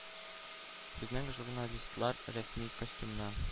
Безнең журналистлар рәсми костюмнан,